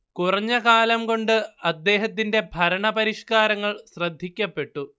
കുറഞ്ഞ കാലം കൊണ്ട് അദ്ദേഹത്തിന്റെ ഭരണപരിഷ്കാരങ്ങൾ ശ്രദ്ധിക്കപ്പെട്ടു